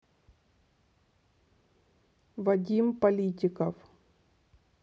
вадим политиков